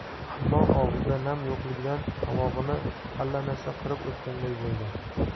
ammo og'zida nam yo'qligidan tomog'ini allanarsa qirib o'tganday bo'ldi